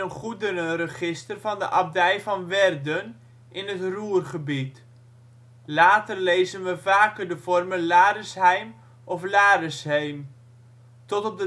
goederenregister van de abdij van Werden (in het Ruhrgebied). Later lezen we vaker de vormen " Laresheim " of " Laresheem ". Tot